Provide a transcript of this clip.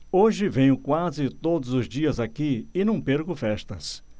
hoje venho quase todos os dias aqui e não perco festas